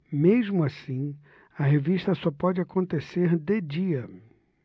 mesmo assim a revista só pode acontecer de dia